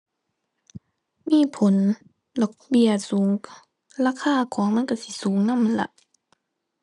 มีผล ดอกเบี้ยสูง ราคาของมันก็สิสูงนำล่ะ